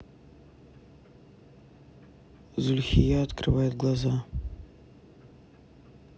зульхия открывает глаза